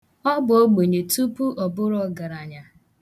Ọ bụ ogbenye tupu ọ bụrụ ọgaranya.